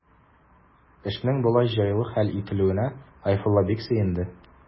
Эшнең болай җайлы хәл ителүенә Гайфулла бик сөенде.